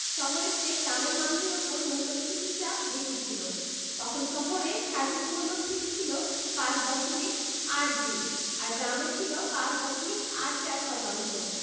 শহরের চেয়ে গ্রামের মানুষের ওপর মূল্যস্ফীতির চাপ বেশি ছিল তখন শহরে সার্বিক মূল্যস্ফীতি ছিল ৫ দশমিক ৮২ আর গ্রামে ছিল ৫ দশমিক ৮৪ শতাংশ